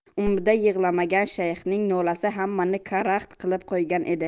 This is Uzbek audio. umrida yig'lamagan shayxning nolasi hammani karaxt qilib qo'ygan edi